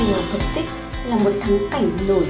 chùa phật tích là một thắng cảnh nổi tiếng